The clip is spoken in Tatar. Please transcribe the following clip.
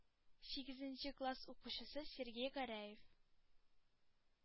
Сигезенче класс укучысы сергей гәрәев.